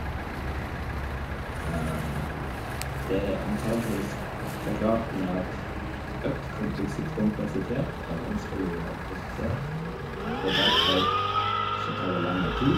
Det er antageligvis forklart med at økt kompliksit kompleksitet er vanskeligere å prosessere, og derfor så tar det lenger tid.